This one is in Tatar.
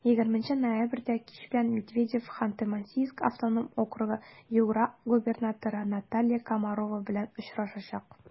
20 ноябрьдә кич белән медведев ханты-мансийск автоном округы-югра губернаторы наталья комарова белән очрашачак.